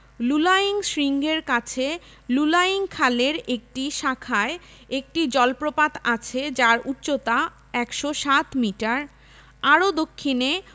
low-lying শৃঙ্গের কাছে লুলাইং খালের একটি শাখায় একটি জলপ্রপাত আছে যার উচ্চতা ১০৭ মিটার আরও দক্ষিণে